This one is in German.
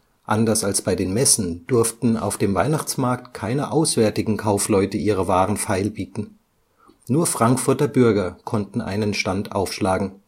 Anders als bei den Messen durften auf dem Weihnachtsmarkt keine auswärtigen Kaufleute ihre Waren feilbieten. Nur Frankfurter Bürger konnten einen Stand aufschlagen